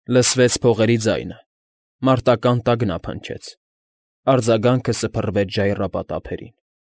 Լսվեց փողերի ձայնը, մարտական տագնապ հնչեց, արձագանքը սփռվեց ժայռապատ ափերին։